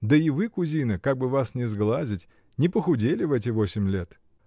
Да и вы, кузина, -- как бы вас не сглазить, -- не похудели в эти восемь лет.